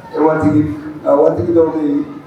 O waati a waati dɔ bɛ ye